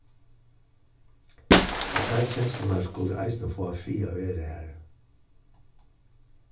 og tær kenslurnar skulu eisini fáa frið at vera har